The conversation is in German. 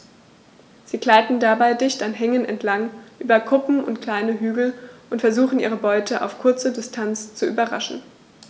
Sie gleiten dabei dicht an Hängen entlang, über Kuppen und kleine Hügel und versuchen ihre Beute auf kurze Distanz zu überraschen.